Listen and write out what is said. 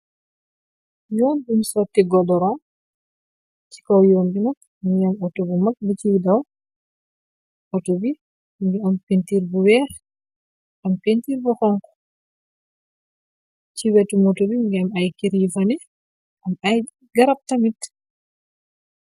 Yoon buñu sooti godora, ci kow yoon bi nak, mingi am auto bu mag bu ci daw, auto bi mingi am pintiir bu weex, am pintiir bu xonxu, ci wetu moto bi mingi am ay ker yi fanne, am ay garab tamit.